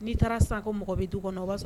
N'i taara sakɔ mɔgɔ bɛ to kɔnɔ